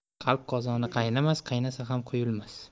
qalb qozoni qaynamas qaynasa ham quyulmas